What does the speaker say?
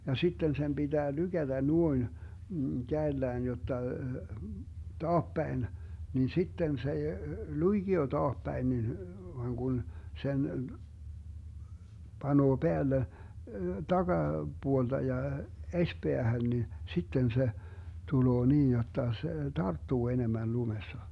ja sitten sen pitää lykätä noin kädellään jotta taapäin niin sitten se ei luikea taapäin niin vaan kun sen panee päälle - takapuolelta ja esipäähän niin sitten se tulee niin jotta se tarttuu enemmän lumessa